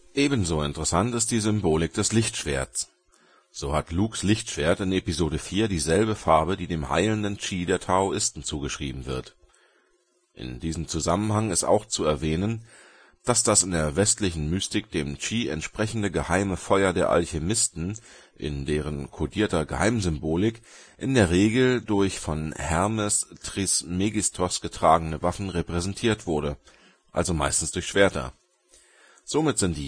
Ebenso interessant ist die Symbolik des Lichtschwerts - so hat Lukes Lichtschwert in Episode IV die selbe Farbe, die dem heilenden Chi der Taoisten zugeschrieben wird (übrigens genau wie die vom Spice veränderten Augen der Fremen in Dune). In diesem Zusammenhang ist auch zu erwähnen, dass das in der westlichen Mystik dem Chi entsprechende geheime Feuer der Alchemisten in deren kodierter Geheimsymbolik in der Regel durch von Hermes Trismegistos getragene Waffen repräsentiert wurde (meistens durch Schwerter). Somit sind